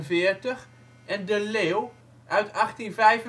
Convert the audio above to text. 1846) en De Leeuw uit 1855